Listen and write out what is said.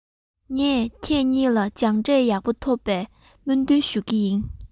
ངས ཁྱེད གཉིས ལ སྦྱངས འབྲས ཡག པོ ཐོབ པའི སྨོན འདུན ཞུ གི ཡིན